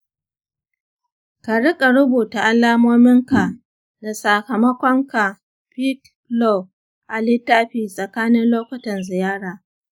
ka riƙa rubuta alamominka da sakamakon peak flow a littafi tsakanin lokutan ziyara.